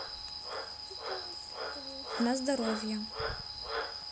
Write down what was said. на здоровье